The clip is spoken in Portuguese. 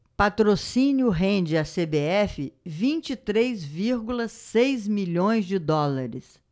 patrocínio rende à cbf vinte e três vírgula seis milhões de dólares